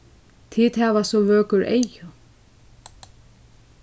tit hava so vøkur eygu